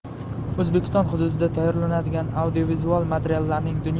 o'zbekiston hududida tayyorlanadigan audiovizual materiallarning